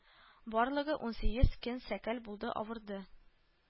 Барлыгы унсигез көн сәкәл булды авырды